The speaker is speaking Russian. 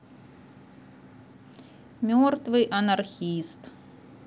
мертвый анархист